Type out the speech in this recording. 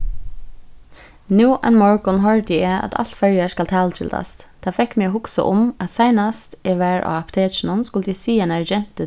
nú ein morgun hoyrdi eg at alt føroyar skal talgildast tað fekk meg at hugsa um at seinast eg var á apotekinum skuldi eg siga einari gentu